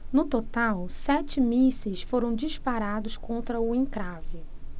no total sete mísseis foram disparados contra o encrave